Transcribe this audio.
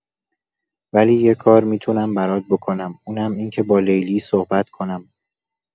ولی یه کار می‌تونم برات بکنم، اونم اینکه با لیلی صحبت کنم.